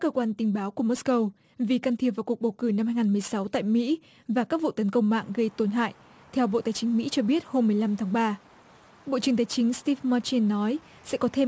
cơ quan tình báo của mốt câu vì can thiệp vào cuộc bầu cử năm hai ngàn mười sáu tại mĩ và các vụ tấn công mạng gây tổn hại theo bộ tài chính mĩ cho biết hôm mười lăm tháng ba bộ trưởng tài chính síp ma chin nói sẽ có thêm